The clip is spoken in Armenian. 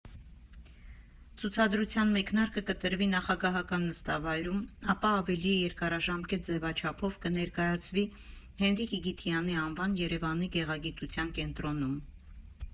Ցուցադրության մեկնարկը կտրվի նախագահական նստավայրում, ապա ավելի երկարաժամկետ ձևաչափով կներկայացվի Հենրիկ Իգիթյանի անվան Երևանի գեղագիտության կենտրոնում։